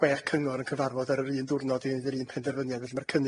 Cynghorydd Gwynfor Olwen.